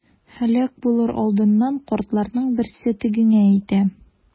Һәлак булыр алдыннан картларның берсе тегеңә әйтә.